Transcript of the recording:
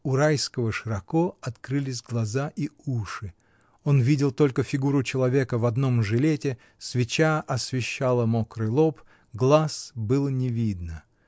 У Райского широко открылись глаза и уши: он видел только фигуру человека в одном жилете, свеча освещала мокрый лоб, глаз было не видно.